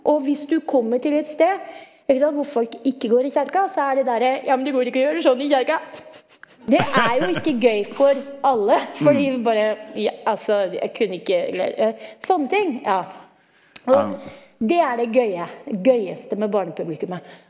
og hvis du kommer til et sted ikke sant hvor folk ikke går i kirka så er det derre, jammen det går ikke å gjøre sånn i kirka, det er jo ikke gøy for alle fordi bare altså jeg kunne ikke eller sånne ting ja og det er det gøye gøyeste med barnepublikummet.